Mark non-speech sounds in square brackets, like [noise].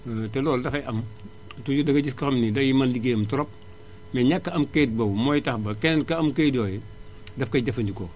[hesitation] te loolu dafay am toujours dangay gis koo xam ne day mën liggéeyam trop mais ñàkk a am kayit boobu mooy tax ba keneen ka am kayit yooyu daf koy jafandikoo